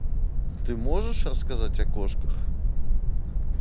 ты можешь рассказать о кошках